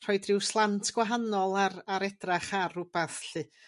rhoid rhyw slant gwahanol ar ar edrach ar rwbath lly.